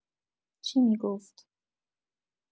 چی می‌گفت